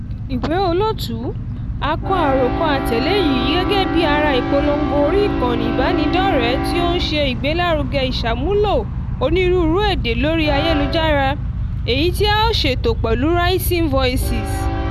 Ìwé Olóòtú: A kọ àròkọ àtẹ̀lé yìí gẹ́gẹ́ bíi ara ìpolongo orí ìkànnì ìbánidọ́rẹ̀ẹ́ tí ó ń ṣe ìgbélárugẹ ìṣàmúlò onírúurú èdè lórí ayélujára èyí tí a ṣètò pẹ̀lú Rising Voices.